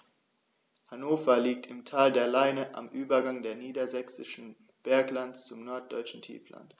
Hannover liegt im Tal der Leine am Übergang des Niedersächsischen Berglands zum Norddeutschen Tiefland.